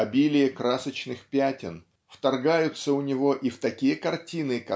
обилие красочных пятен вторгаются у него и в такие картины